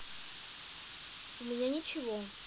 у меня ничего